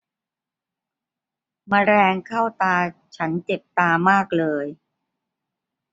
แมลงเข้าตาฉันเจ็บตามากเลย